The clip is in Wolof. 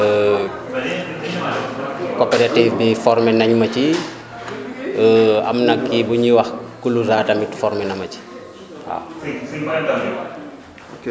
coopérative bi formé na ñu ma ci am na kii bu ñuy wax Kuluza tamit formé na ma ci waaw